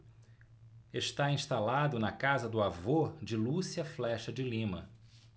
está instalado na casa do avô de lúcia flexa de lima